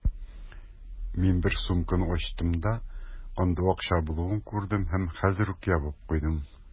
Мин бер сумканы ачтым да, анда акча булуын күрдем һәм хәзер үк ябып куйдым.